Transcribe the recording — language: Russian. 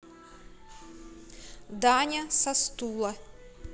даня со стула